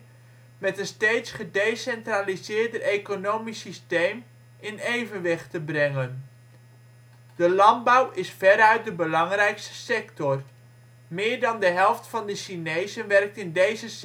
steeds gedecentraliseerder economisch systeem in evenwicht te brengen. De landbouw is veruit de belangrijkste sector: meer dan de helft van de Chinezen werkt in deze